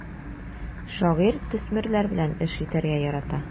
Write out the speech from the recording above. Шагыйрь төсмерләр белән эш итәргә ярата.